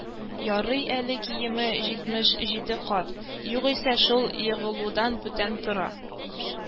Ярый әле киеме җитмеш җиде кат, югыйсә шул егылудан бүтән тора